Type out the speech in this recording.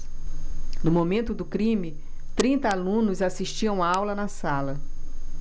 no momento do crime trinta alunos assistiam aula na sala